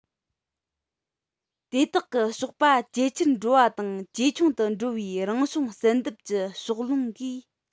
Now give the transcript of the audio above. དེ དག གི གཤོག པ ཇེ ཆེར འགྲོ བ དང ཇེ ཆུང དུ འགྲོ བའི རང བྱུང བསལ འདེམས ཀྱི ཕྱོགས ལྷུང གིས